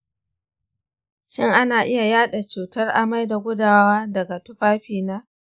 shin ana iya yaɗa cutar amai da gudawa daga tufafina?